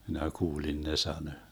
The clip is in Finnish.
minä kuulin ne sanoi